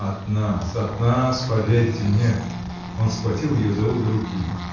-- От нас, от нас, поверьте мне (он схватил ее за обе руки